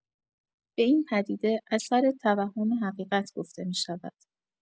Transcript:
به این پدیده اثر توهم حقیقت گفته می‌شود.